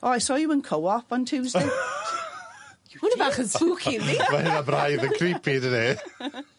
oh i saw you in Co-Op on Tuesday. Ma' wnna fach yn sppoky yndi? Mae o fraidd yn creepy dydi?